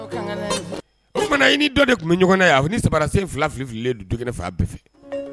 O kumana i ni dɔ de kun bɛ ɲɔgɔnna ya ni sabara sen 2 fili-fililen do dukɛnɛ fan bɛ fɛ